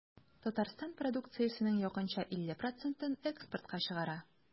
Татарстан продукциясенең якынча 50 процентын экспортка чыгара.